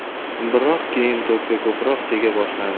biroq keyn to'pga ko'proq tega boshladi